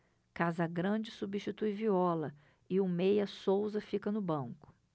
casagrande substitui viola e o meia souza fica no banco